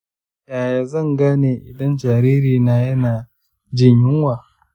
yaya zan gane idan jaririna yana jin yunwa?